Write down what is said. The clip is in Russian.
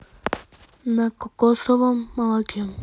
на кокосовом молоке